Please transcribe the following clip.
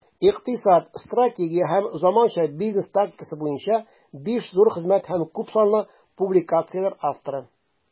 Икътисад, стратегия һәм заманча бизнес тактикасы буенча 5 зур хезмәт һәм күпсанлы публикацияләр авторы.